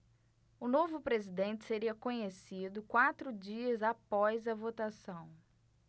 o novo presidente seria conhecido quatro dias após a votação